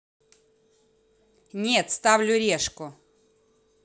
нет ставлю решку